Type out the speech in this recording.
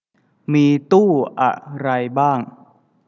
มีตู้อะไรบ้าง